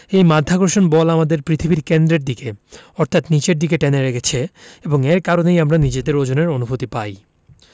এই মাধ্যাকর্ষণ বল আমাদের পৃথিবীর কেন্দ্রের দিকে অর্থাৎ নিচের দিকে টেনে রেখেছে এবং এর কারণেই আমরা নিজেদের ওজনের অনুভূতি পাই